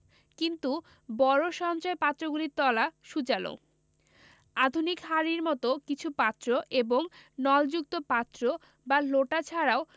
কিন্তু বড় সঞ্চয় পাত্রগুলির তলা সূচালো আধুনিক হাড়ির মতো কিছু পাত্র এবং নলযুক্ত পাত্র বা লোটা ছাড়াও